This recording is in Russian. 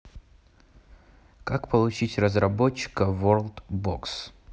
как получить разработчика в world box